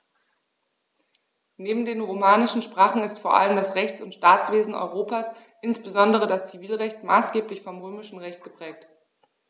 Neben den romanischen Sprachen ist vor allem das Rechts- und Staatswesen Europas, insbesondere das Zivilrecht, maßgeblich vom Römischen Recht geprägt.